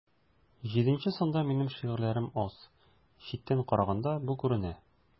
Җиденче санда минем шигырьләр аз, читтән караганда бу күренә.